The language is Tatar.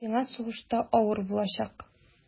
Сиңа сугышта авыр булачак.